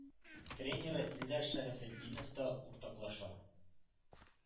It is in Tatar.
Тренеры илдар шәрәфетдинов та уртаклаша.